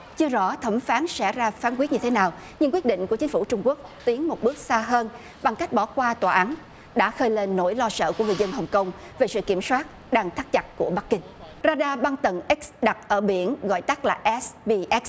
chưa rõ thẩm phán sẽ ra phán quyết như thế nào nhưng quyết định của chính phủ trung quốc tiến một bước xa hơn bằng cách bỏ qua tòa án đã khơi lên nỗi lo sợ của người dân hồng công về sự kiểm soát đang thắt chặt của bắc kinh ra đa băng tần ích đặt ở biển gọi tắt là ét bi ét